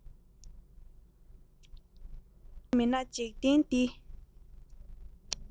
ཁྱེད མེད ན འཇིག རྟེན འདི